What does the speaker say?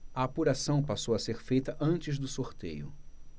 a apuração passou a ser feita antes do sorteio